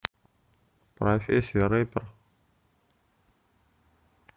профессия рэпер